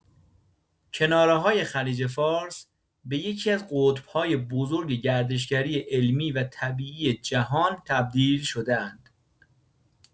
کناره‌های خلیج‌فارس به یکی‌از قطب‌های بزرگ گردشگری علمی و طبیعی جهان تبدیل شده‌اند.